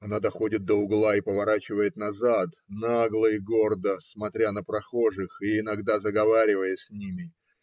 Она доходит до угла и поворачивает назад, нагло и гордо смотря на прохожих и иногда заговаривая с ними